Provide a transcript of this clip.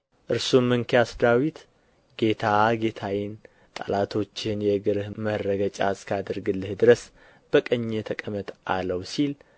እርሱም እንኪያስ ዳዊት ጌታ ጌታዬን ጠላቶችህን የእግርህ መረገጫ እስካደርግልህ ድረስ በቀኜ ተቀመጥ አለው ሲል